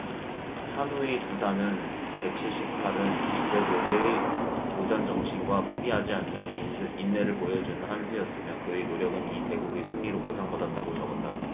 판후이 두 단은 백 칠십 팔 은 이세돌의 도전정신과 포기하지 않는 인내를 보여주는 한 수였으며 그의 노력은 이 대국의 승리로 보상받았다고 적었다